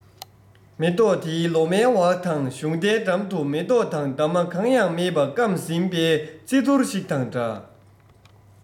མེ ཏོག དེའི ལོ མའི འོག དང གཞུང རྟའི འགྲམ དུ མེ ཏོག དང འདབ མ གང ཡང མེད པ བསྐམས ཟིན པའི རྩི ཐུར ཞིག དང འདྲ